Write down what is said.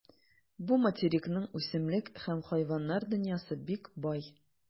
Бу материкның үсемлек һәм хайваннар дөньясы бик бай.